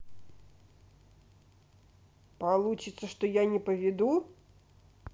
получится что я не поведу